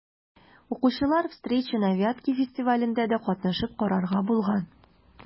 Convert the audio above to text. Укучылар «Встречи на Вятке» фестивалендә дә катнашып карарга булган.